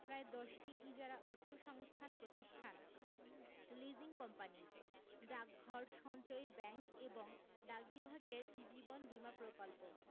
প্রায় ১০টি ইজারা অর্থসংস্থান প্রতিষ্ঠান লিজিং কোম্পানিস ডাকঘর সঞ্চয়ী ব্যাংক এবং ডাক বিভাগের জীবন বীমা প্রকল্প